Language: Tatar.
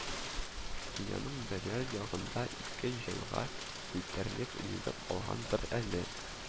Дөньяның берәр ягында ике җанга җитәрлек ризык калгандыр әле